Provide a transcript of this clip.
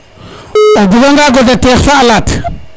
o buga god a teex fa a laat